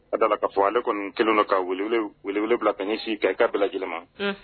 A dala k kaa fɔ ale kɔni kelen dɔ kaelew bila ka si kɛ i ka bila lajɛlenma